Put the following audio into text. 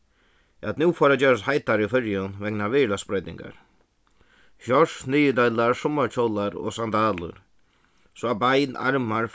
at nú fór at gerast heitari í føroyum vegna veðurlagsbroytingar shorts niðurdeilar summarkjólar og sandalur so at bein armar